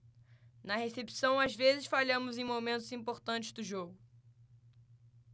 na recepção às vezes falhamos em momentos importantes do jogo